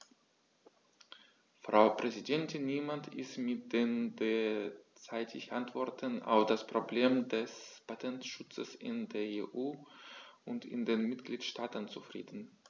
Frau Präsidentin, niemand ist mit den derzeitigen Antworten auf das Problem des Patentschutzes in der EU und in den Mitgliedstaaten zufrieden.